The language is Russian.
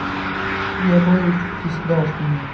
я боюсь что ты сдашь меня